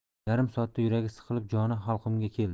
yarim soatda yuragi siqilib joni halqumiga keldi